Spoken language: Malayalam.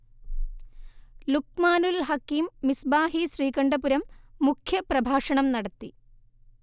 ലുഖ്മാനുൽ ഹക്കീം മിസ്ബാഹി ശ്രീകണ്ഠപുരം മുഖ്യ പ്രഭാഷണം നടത്തി